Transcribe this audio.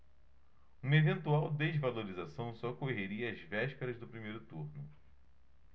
uma eventual desvalorização só ocorreria às vésperas do primeiro turno